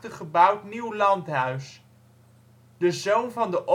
gebouwd nieuw landhuis. De zoon van de